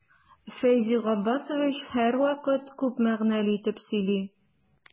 Фәйзи Габбасович һәрвакыт күп мәгънәле итеп сөйли.